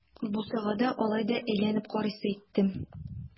Бусагада алай да әйләнеп карыйсы иттем.